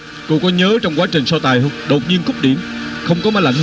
cô có nhớ trong quá trình so tài không đột nhiên cúp điện không có máy lạnh